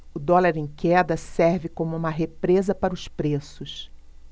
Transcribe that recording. o dólar em queda serve como uma represa para os preços